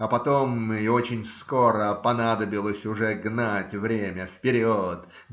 А потом, и очень скоро, понадобилось уже гнать время вперед.